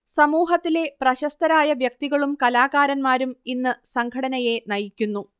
സമൂഹത്തിലെ പ്രശസ്തരായ വ്യക്തികളും കലാകാരന്മാരും ഇന്ന് സംഘടനയെ നയിക്കുന്നു